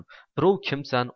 birov kimsan